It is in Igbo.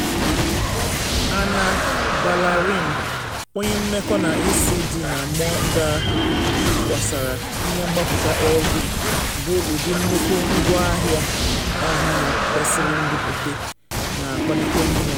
Ana Balarin, onye mmeko na ECD na Mother kwukwasara: “Ihe Mgbaputa Elvie bụ ụdị nnukwu ngwaahịa ọhụrụ kwesịrị mbupute na akpalite mmụọ.